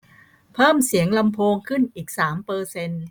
เพิ่มเสียงลำโพงขึ้นอีกสามเปอร์เซ็นต์